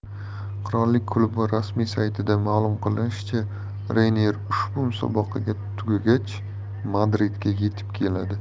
qirollik klubi rasmiy saytida ma'lum qilinishicha reynier ushbu musobaqa tugagach madridga yetib keladi